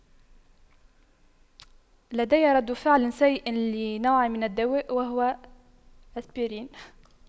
لدي رد فعل سيء لنوع من الدواء وهو أسبرين